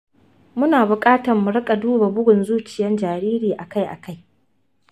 muna buƙatan mu riƙa duba bugun zuciyan jaririn akai akai.